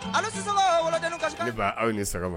Ale sisan aw ni sago